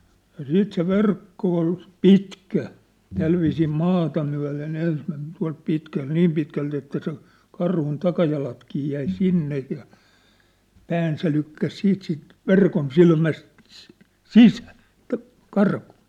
ja sitten se verkko oli pitkä tällä viisiin maata myöten ensi meni tuolta pitkältä niin pitkältä että sen karhun takajalatkin jäi sinne ja pään se lykkäsi sitten siitä verkonsilmästä sisään sitä karkuun